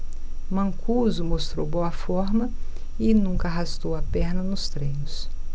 mancuso mostrou boa forma e nunca arrastou a perna nos treinos